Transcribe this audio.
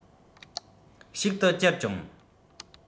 ཞིག ཏུ གྱུར ཅིང